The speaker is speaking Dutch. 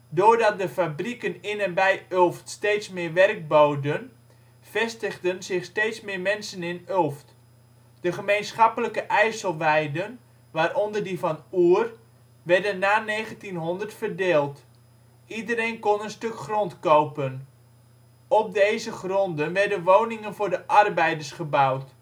Doordat de fabrieken in en bij Ulft steeds meer werk boden, vestigden zich steeds meer mensen in Ulft. De gemeenschappelijke IJsselweiden, waaronder die van Oer, werden na 1900 verdeeld. Iedereen kon een stuk grond kopen. Op deze gronden werden woningen voor de arbeiders gebouwd